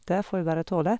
Det får vi bare tåle.